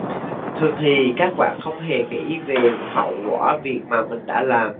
thường thì các bạn không hề nghĩ về hậu quả việc mà mình đã làm